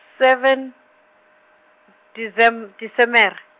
seven, Decem-, Desemere.